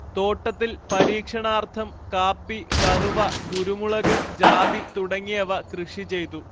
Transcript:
തോട്ടത്തിൽ പരീക്ഷണാർത്ഥം കാപ്പി കറുവ കുരുമുളക് ജാതി തുടങ്ങിയവ കൃഷി ചെയ്തു